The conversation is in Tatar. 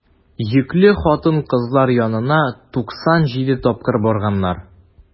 Йөкле хатын-кызлар янына 97 тапкыр барганнар.